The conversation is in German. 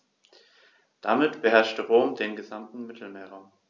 Damit beherrschte Rom den gesamten Mittelmeerraum.